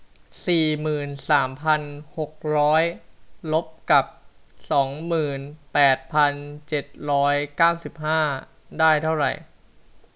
สี่หมื่นสามพันหกร้อยลบกับสองหมื่นแปดพันเจ็ดร้อยเก้าสิบห้าได้เท่าไร